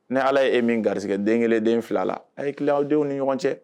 Ni ala yee min garisɛgɛ den kelenden fila la a ye tilenle aw denw ni ɲɔgɔn cɛ